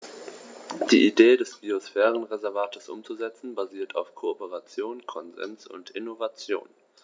Die Idee des Biosphärenreservates umzusetzen, basiert auf Kooperation, Konsens und Innovation.